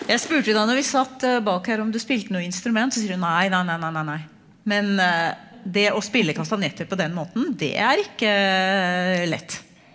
jeg spurte da når vi satt bak her om du spilte noe instrument så sier hun nei nei nei nei nei nei, men det å spille kastanjetter på den måten, det er ikke lett.